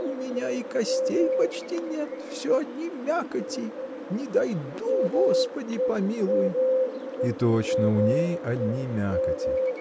— У меня и костей почти нет: всё одни мякоти! Не дойду — Господи помилуй! И точно у ней одни мякоти.